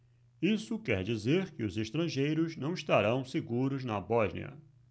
isso quer dizer que os estrangeiros não estarão seguros na bósnia